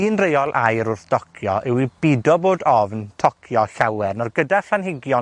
Un reol aur wrth docio yw i bido bod ofn tocio llawer. Nawr gyda phlanhigion